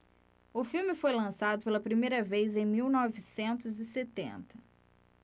o filme foi lançado pela primeira vez em mil novecentos e setenta